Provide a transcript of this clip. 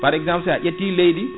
paa exemple sa ƴetti leydi